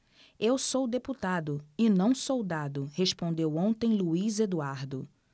eu sou deputado e não soldado respondeu ontem luís eduardo